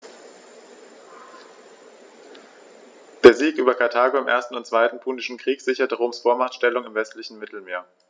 Der Sieg über Karthago im 1. und 2. Punischen Krieg sicherte Roms Vormachtstellung im westlichen Mittelmeer.